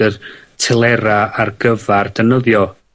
yr telera ar gyfar defnyddio